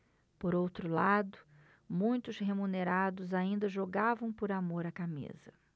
por outro lado muitos remunerados ainda jogavam por amor à camisa